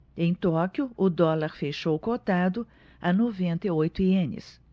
em tóquio o dólar fechou cotado a noventa e oito ienes